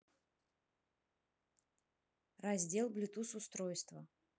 раздел блютуз устройства